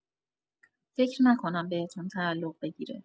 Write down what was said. فکر نکنم بهتون تعلق بگیره